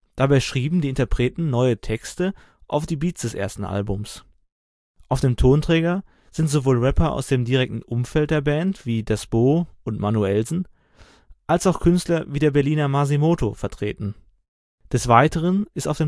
Dabei schrieben die Interpreten neue Texte auf die Beats des ersten Albums. Auf dem Tonträger sind sowohl Rapper aus dem direkten Umfeld der Band wie Das Bo und Manuellsen, als auch Künstler wie der Berliner Marsimoto vertreten. Des Weiteren ist auf